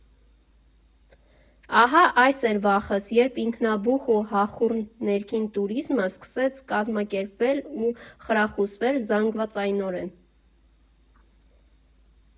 Ահա, այս էր վախս, երբ ինքնաբուխ ու հախուռն ներքին տուրիզմը սկսեց կազմակերպվել ու խրախուսվել զանգվածայնորեն։